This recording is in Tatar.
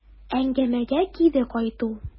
Әңгәмәгә кире кайту.